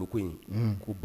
In ko